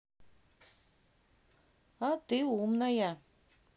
а ты умная